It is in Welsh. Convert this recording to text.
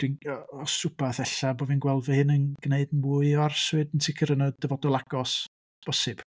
Dwi'n... Yy os wbeth ella bod fi'n gweld fy hun yn gwneud mwy o arswyd yn sicr yn y dyfodol agos, bosib.